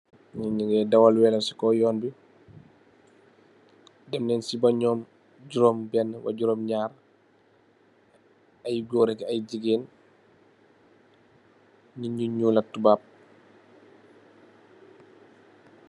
Ñii ñungee dawal welu si kaw yoon bi, dem neen si ba ñoom, juroom ben ba juroom ñaar, aye goor ak aye ligeen, niñi ñuul ak tubaab.